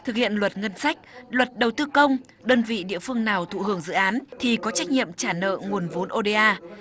thực hiện luật ngân sách luật đầu tư công đơn vị địa phương nào thụ hưởng dự án thì có trách nhiệm trả nợ nguồn vốn ô đê a